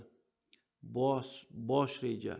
bosh reja